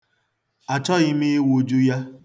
Achọghị m ịwụju ya.